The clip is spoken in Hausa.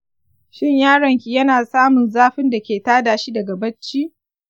shin yaron ki yana samun zafin dake tada shi daga bacci?